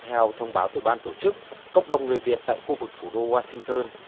theo thông báo từ ban tổ chức cộng đồng người việt tại khu vực thủ đô oa sin tơn